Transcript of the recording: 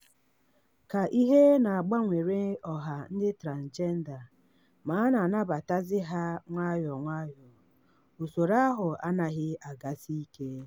Ka ihe na-agbanwere ọha ndị transịjenda ma a na-anabatazị ha nwayọọ nwayọọ, usoro ahụ anaghị agasị ike.